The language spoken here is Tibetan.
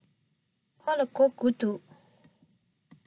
ཁོ ལ སྒོར དགུ འདུག